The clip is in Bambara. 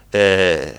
Fɛɛ